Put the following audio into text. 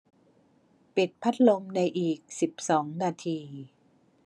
ปิดพัดลมในอีกสิบสองนาที